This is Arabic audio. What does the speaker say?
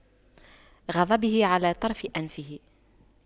غضبه على طرف أنفه